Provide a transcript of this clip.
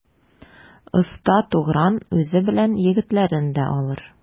Оста Тугран үзе белән егетләрен дә алыр.